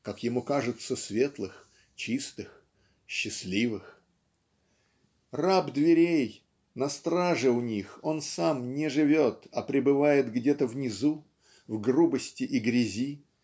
как ему кажется, светлых, чистых, счастливых. Раб дверей на страже у них он сам не живет а пребывает где-то внизу в грубости и грязи